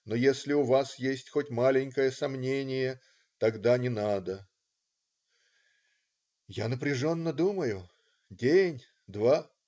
Но, если у Вас есть хоть маленькое сомненье,-тогда не надо. " Я напряженно думаю. День, два.